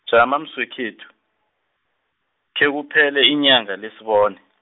jama mswekhethu, khekuphele inyanga le sibone.